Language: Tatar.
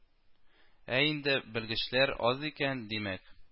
Ә инде белгечләр аз икән, димәк